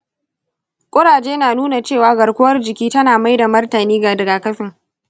kuraje na nuna cewa garkuwar jiki tana mayar da martani ga rigakafin.